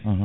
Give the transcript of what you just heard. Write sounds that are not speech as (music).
(hesitation) (hesitation)